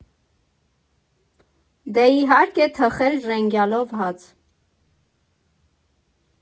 Դե, իհարկե, թխել ժենգյալով հաց։